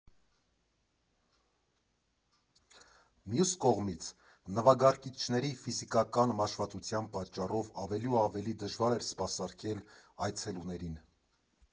Մյուս կողմից՝ նվագարկիչների ֆիզիկական մաշվածության պատճառով ավելի ու ավելի դժվար էր սպասարկել այցելուներին։